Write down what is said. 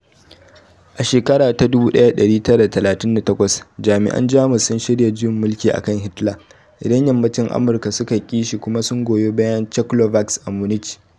A shekara ta 1938, jami'an Jamus sun shirya juyin mulki a kan Hitler, idan Yammacin Amurka suka ki shi kuma sun goyi bayan Czechoslovaks a Munich.